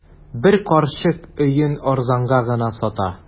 Бер карчык өен арзанга гына сата.